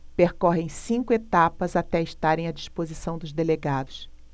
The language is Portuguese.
percorrem cinco etapas até estarem à disposição dos delegados